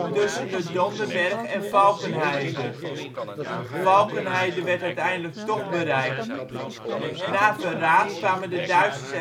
tussen de Donderberg en Valkenheide. Valkenheide werd uiteindelijk toch bereikt. Na verraad kwamen de Duitsers